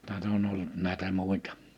tätä on ollut näitä muita